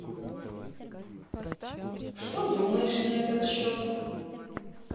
что думаешь на этот счет